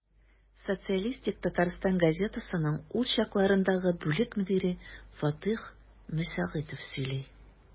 «социалистик татарстан» газетасының ул чаклардагы бүлек мөдире фатыйх мөсәгыйтов сөйли.